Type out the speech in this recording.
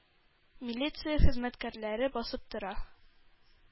Милиция хезмәткәрләре басып тора.